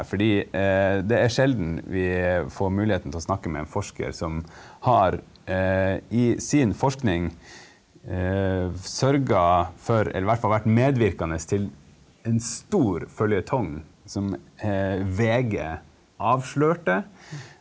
fordi det er sjelden vi får muligheten til å snakke med en forsker som har i sin forskning sørga for, eller hvert fall vært medvirkende til, en stor føljetong som VG avslørte.